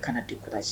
Kana di kɔrɔsi